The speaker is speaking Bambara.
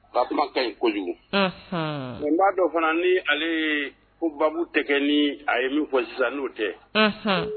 Ba kuma ka ɲi ko kojugu nk b'a dɔ fana ni ale ye ko baa tɛ kɛ ni a ye min fɔ sisan n'o tɛ